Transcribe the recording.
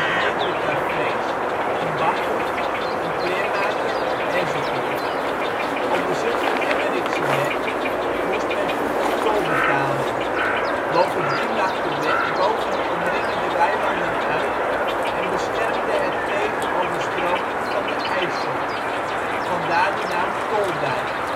meerdere cafés, een bakker, een kleermaker, enzovoorts. Op de Zutphen-Emmerikseweg moest men vroeger tol betalen. Bovendien lag de weg boven de omringende weilanden uit en beschermde het tegen overstromingen van de IJssel. Vandaar de naam ' Toldijk